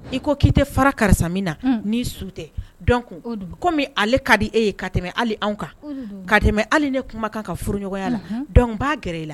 I ko k'i tɛ fara karisa min na ni su tɛ dɔn kun komi ale ka di e ye ka tɛmɛ anw kan ka tɛmɛ hali ne kuma kan ka furuɲɔgɔnya la dɔn b'a g e la